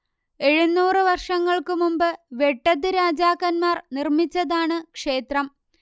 എഴുന്നൂറ് വർഷങ്ങൾക്കു മുമ്പ് വെട്ടത്തു രാജാക്കൻമാർ നിർമ്മിച്ചതാണ് ക്ഷേത്രം